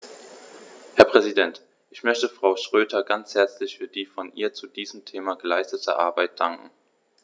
Herr Präsident, ich möchte Frau Schroedter ganz herzlich für die von ihr zu diesem Thema geleistete Arbeit danken.